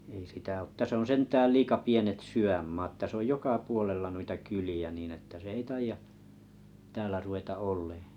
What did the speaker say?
ei sitä ole tässä on sentään liian pienet sydänmaat tässä on joka puolella noita kyliä niin että se ei taida täällä ruveta olemaan